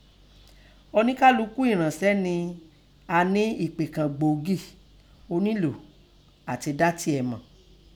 Ọníkálukú ẹ̀ranse nẹ a nẹ ipe kàn gbòógì, ọ nilo àti da tìẹ mọ̀